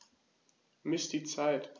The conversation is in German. Miss die Zeit.